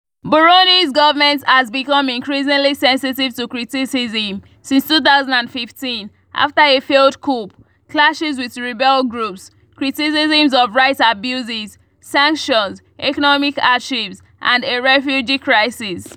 Burundi's government has become increasingly sensitive to criticism since 2015, after a failed coup, clashes with rebel groups, criticisms of rights abuses, sanctions, economic hardships and a refugee crisis.